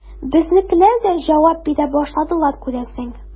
Безнекеләр дә җавап бирә башладылар, күрәсең.